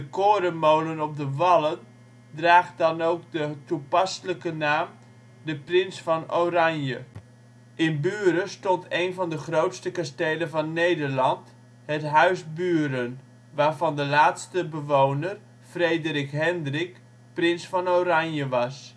korenmolen op de wallen draagt dan ook de toepasselijke naam De Prins van Oranje. In Buren stond een van de grootste kastelen van Nederland het Huis Buren, waarvan de laatste bewoner Frederik Hendrik, prins van Oranje was